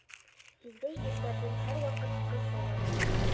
Синдәй ирләрдән һәрвакыт кыз бала туа